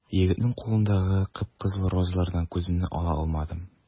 Егетнең кулындагы кып-кызыл розалардан күземне ала алмадым.